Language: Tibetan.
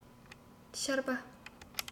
ཆར པ